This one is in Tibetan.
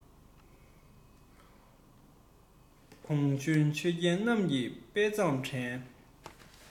གོང བྱོན ཆོས རྒྱལ རྣམས ཀྱིས དཔའ མཛངས དྲན